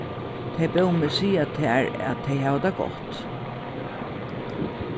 tey bóðu meg siga tær at tey hava tað gott